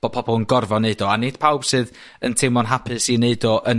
bo pobol yn gorfo neud o a nid pawb sydd yn teimlo'n hapus i neud o yn